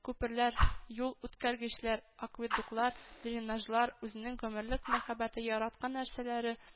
Күперләр, юл үткәргечләр, акведуклар, дренажлар үзенең гомерлек мәхәббәте, яраткан нәрсәләре